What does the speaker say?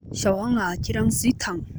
ཞའོ ཝང ལགས ཁྱེད རང གཟིགས དང